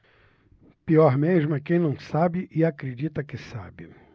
pior mesmo é quem não sabe e acredita que sabe